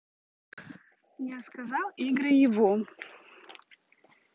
я сказал игры его